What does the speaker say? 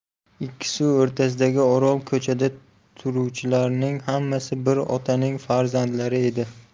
ikki suv o'rtasidagi orol ko'chada turuvchilarning hammasi bir otaning farzandlari edi